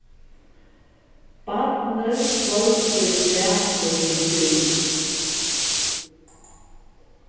barnið hvølvdi glasið við djús